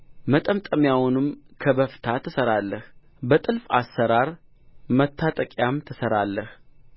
መጠምጠሚያውን ከበፍታ ትሠራለህ በጥልፍ አሠራር መታጠቂያም ትሠራለህ